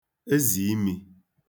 ezìimī